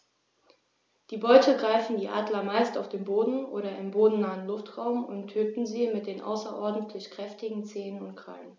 Die Beute greifen die Adler meist auf dem Boden oder im bodennahen Luftraum und töten sie mit den außerordentlich kräftigen Zehen und Krallen.